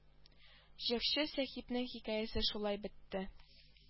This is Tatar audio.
Җырчы сәхипнең хикәясе шулай бетте